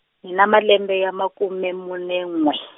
ni na malembe ya makume mune n'we.